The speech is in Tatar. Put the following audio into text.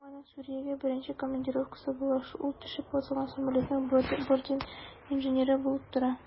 Бу аның Сүриягә беренче командировкасы була, ул төшеп ватылган самолетның бортинженеры булып тора.